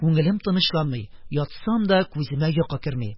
Күңелем тынычланмый, ятсам да, күземә йокы керми.